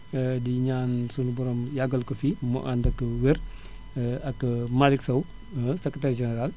di ñaan sunu borom yàggal ko fi mu ànd ak wér ak Malick Sow secretaire général